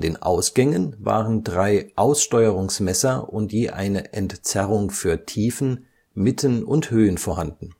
den Ausgängen waren drei Aussteuerungsmesser und je eine Entzerrung für Tiefen, Mitten und Höhen vorhanden.